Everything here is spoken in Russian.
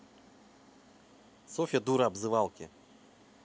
софья дура обзывалки